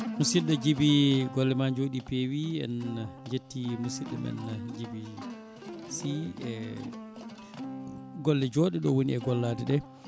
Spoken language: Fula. musidɗo Djiby golle ma jooɗi peewi en jetti musibɓe men Djiby Sy e golle jodɗe ɗe o woni e wadde gollade ɗe